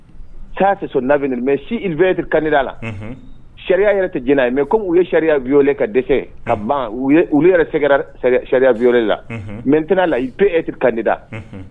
Ça c'est son avenir. Mais s'il veut être candidat sariya yɛrɛ tɛ jɛn n'a ye mais, comme u ye sariya. violer ka dɛsɛ ka ban, olu yɛrɛ sɛngɛn na sariya violer la, maintenat la, Il peut être candidat .